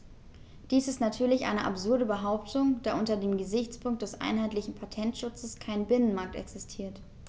Dies ist natürlich eine absurde Behauptung, da unter dem Gesichtspunkt des einheitlichen Patentschutzes kein Binnenmarkt existiert.